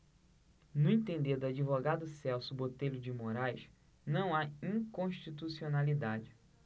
no entender do advogado celso botelho de moraes não há inconstitucionalidade